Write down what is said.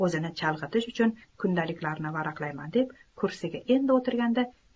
o'zini chalg'itish uchun kundaliklarini varaqlayman deb kursiga endi o'tirganida